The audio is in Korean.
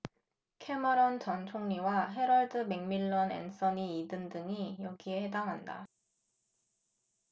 캐머런 전 총리와 해럴드 맥밀런 앤서니 이든 등이 여기에 해당한다